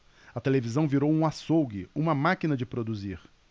a televisão virou um açougue uma máquina de produzir